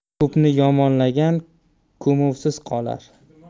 ko'pni yomonlagan ko'muvsiz qolar